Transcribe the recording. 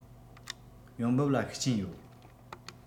ཡོང འབབ ལ ཤུགས རྐྱེན ཡོད